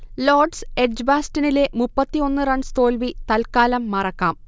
Lord's എജ്ബാസ്റ്റനിലെ മുപ്പത്തി ഒന്ന് റൺസ് തോൽവി തൽക്കാലം മറക്കാം